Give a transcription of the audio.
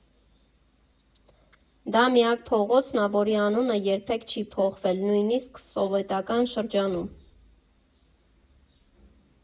Դա միակ փողոցն ա, որի անունը երբեք չի փոխվել, նույնիսկ սովետական շրջանում.